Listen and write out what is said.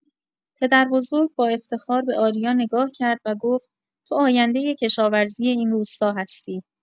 پدربزرگ با افتخار به آریا نگاه کرد و گفت: «تو آیندۀ کشاورزی این روستا هستی.»